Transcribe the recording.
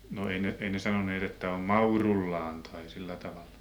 no ei ne ei ne sanoneet että on maurullaan tai sillä tavalla